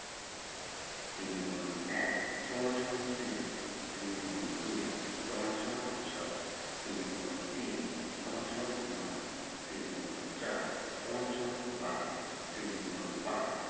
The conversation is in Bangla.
৩ X ১ = ৩ ৩ X ২ = ৬ ৩ × ৩ = ৯ ৩ X ৪ = ১২ ৩ X ৫